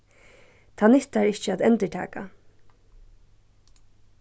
tað nyttar ikki at endurtaka